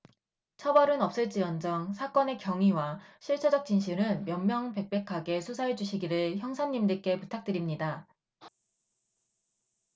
처벌은 없을지언정 사건의 경위와 실체적 진실은 명명백백하게 수사해주시기를 형사님들께 부탁드립니다